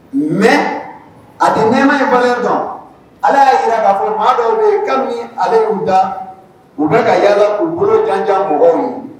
Mais a tɛ nɛma in valeur dɔn, allah y'a jiran k'a fɔ maa dɔw bɛ kabini ale y'u da u bɛ ka yaala k'u bolo janjan mɔgɔw ye.